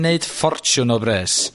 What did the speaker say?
neud ffortiwn o fres.